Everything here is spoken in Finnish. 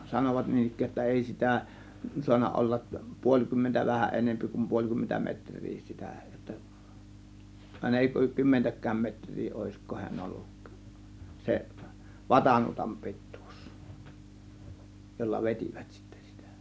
sanovat niin ikään jotta ei sitä saanut olla puoli kymmentä vähän enempi kuin puoli kymmentä metriä sitä jotta aina ei kymmentäkään metriä olisiko hän ollut se vatanuotan pituus jolla vetivät sitten sitä